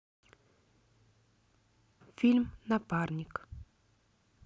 фильм напарник